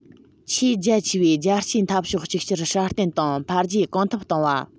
ཆེས རྒྱ ཆེ བའི རྒྱལ གཅེས འཐབ ཕྱོགས གཅིག གྱུར སྲ བརྟན དང འཕེལ རྒྱས གང ཐུབ བཏང བ